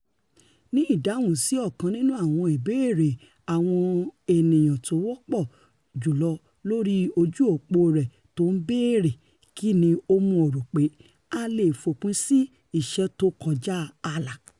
Ní ìdáhùn sí òkan nínú àwọn ìbéèrè àwọn ènìyàn tówọ́pọ̀ jùlọ lori ojú-òpó rẹ̀ tó ńbéèrè ''kínni ó mú ọ ropé a leè fòpin sí ìṣẹ́ tó kọjá àlà?''